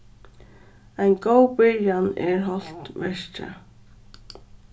ein góð byrjan er hálvt verkið